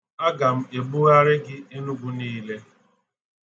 Aga m ebugharị gị Enugwu niile.